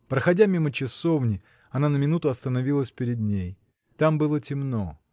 Проходя мимо часовни, она на минуту остановилась перед ней. Там было темно.